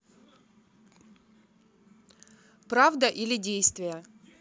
правда или действие